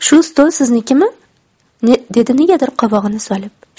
shu stol siznikimi dedi negadir qovog'ini solib